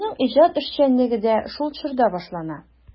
Аның иҗат эшчәнлеге дә шул чорда башлана.